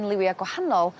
yn liwia gwahanol